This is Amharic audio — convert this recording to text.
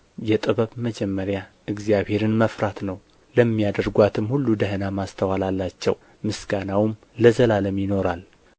የጥበብ መጀመሪያ እግዚአብሔርን መፍራት ነው ለሚያደርጓትም ሁሉ ደኅና ማስተዋል አላቸው ምስጋናውም ለዘላለም ይኖራል